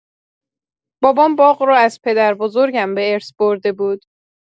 بابام باغ رو از پدربزرگم به ارث برده بود.